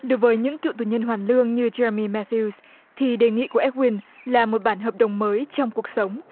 đối với những cựu tù nhân hoàn lương như che li me thiu thì đề nghị của ét uyn là một bản hợp đồng mới trong cuộc sống